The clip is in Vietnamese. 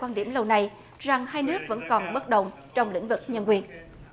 quan điểm lâu nay rằng hai nước vẫn còn bất đồng trong lĩnh vực nhân quyền